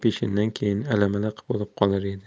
peshindan keyin ilimiliq bo'lib qolar edi